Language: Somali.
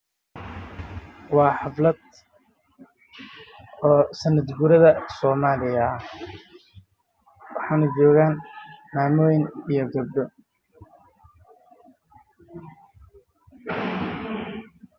Waa xaflad oo sanad guurada soomaliya